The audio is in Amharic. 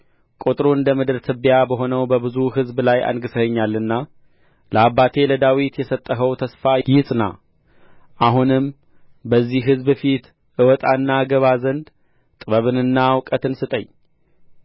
ቍጥሩ እንደ ምድር ትቢያ በሆነው በብዙ ሕዝብ ላይ አንግሠኸኛልና ለአባቴ ለዳዊት የሰጠኸው ተስፋ ይጽና አሁንም በዚህ ሕዝብ ፊት እወጣና እገባ ዘንድ ጥበብንና እውቀትን ስጠኝ